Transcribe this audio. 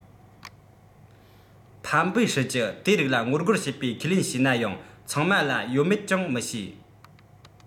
ཕམ པུའུ ཧྲི ཀྱི དེ རིགས ལ ངོ རྒོལ བྱེད པའི ཁས ལེན བྱས ན ཡང ཚང མ ལ ཡོད མེད ཀྱང མི ཤེས